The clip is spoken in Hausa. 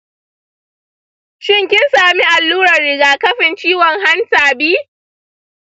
shin kin sami allurar rigakafin ciwon hanta b?